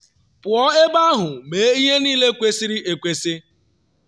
Pụọ ebe ahụ mee ihe niile kwesịrị ekwesị.